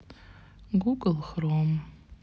гугл хром